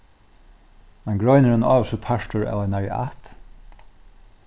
ein grein er ein ávísur partur av einari ætt